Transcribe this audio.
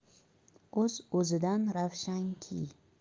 o'z o'zidan ravshanki